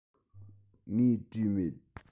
ངས བྲིས མེད